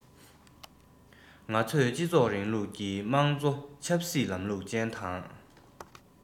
ང ཚོས སྤྱི ཚོགས རིང ལུགས ཀྱི དམངས གཙོ ཆབ སྲིད ལམ ལུགས ཅན དང